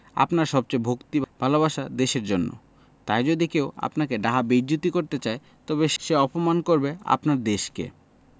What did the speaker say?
আপনার সবচেয়ে ভক্তি ভালবাসা দেশের জন্য তাই যদি কেউ আপনাকে ডাহা বেইজ্জত্ করতে চায় তবে সে অপমান করবে আপনার দেশকে